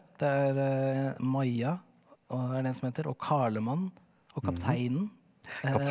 det er Maja og er det en som heter og Karlemann og Kapteinen .